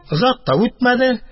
Озак та үтмәде, кыз,